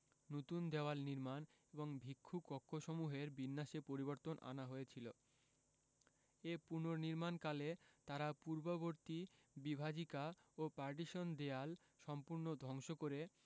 নুতন দেওয়াল নির্মাণ এবং ভিক্ষু কক্ষসমূহের বিন্যাসে পরিবর্তন আনা হয়েছিল এ পুনর্নির্মাণকালে তারা পূর্ববর্তী বিভাজিকা ও পার্টিশন দেয়াল সম্পূর্ণ ধ্বংস করে